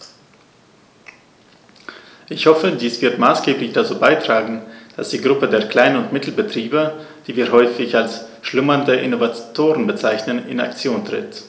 Ich hoffe, dies wird maßgeblich dazu beitragen, dass die Gruppe der Klein- und Mittelbetriebe, die wir häufig als "schlummernde Innovatoren" bezeichnen, in Aktion tritt.